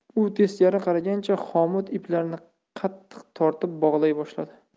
u teskari qaragancha xomut iplarini qattiq tortib bog'lay boshladi